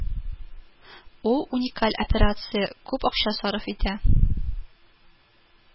Ул уникаль операция, күп акча сарыф итә